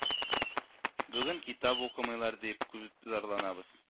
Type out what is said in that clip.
Бүген китап укымыйлар дип, күп зарланабыз